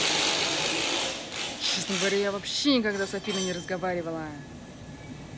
честно говоря я вообще никогда с афиной не разговаривала